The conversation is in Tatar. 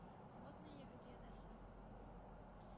Модный егет, янәсе.